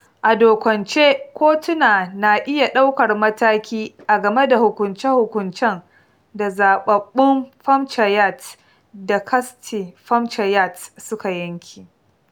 A dokance, kotuna na iya ɗaukar mataki a game da hukunce-hukuncen da zaɓaɓɓun panchayats da caste panchayats suka yanke.